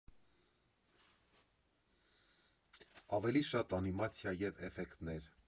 Ավելի շատ անիմացիա և էֆեկտներ։